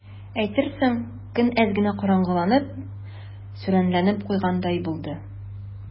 Әйтерсең, көн әз генә караңгыланып, сүрәнләнеп куйгандай булды.